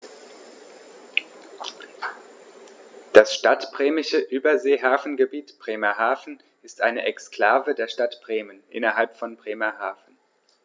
Das Stadtbremische Überseehafengebiet Bremerhaven ist eine Exklave der Stadt Bremen innerhalb von Bremerhaven.